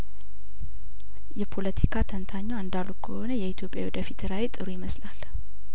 የፖለቲካ ተንታኟ እንዳሉት ከሆነ የኢትዮጲያ የወደፊት ራእይጥሩ ይመስላል